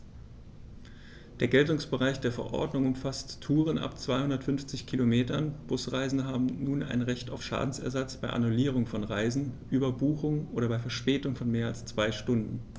Der Geltungsbereich der Verordnung umfasst Touren ab 250 Kilometern, Busreisende haben nun ein Recht auf Schadensersatz bei Annullierung von Reisen, Überbuchung oder bei Verspätung von mehr als zwei Stunden.